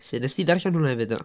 Sut wnest ti ddarllen hwnna hefyd do?